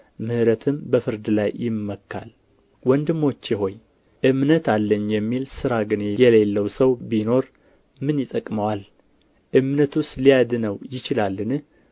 ምሕረትም በፍርድ ላይ ይመካል ወንድሞቼ ሆይ እምነት አለኝ የሚል ሥራ ግን የሌለው ሰው ቢኖር ምን ይጠቅመዋል እምነቱስ ሊያድነው ይችላልን